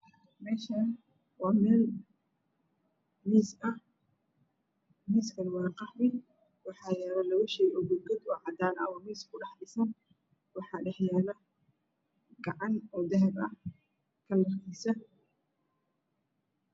Meeshaan waa meel miis ah. Miiska waa qaxwi waxaa yaalo labo shay oo gadgad ah oo miiska kudhisan waxaa dhex yaalo gacan dahabi ah midabkiisa.